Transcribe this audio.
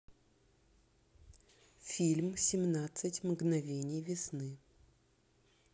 фильм семнадцать мгновений весны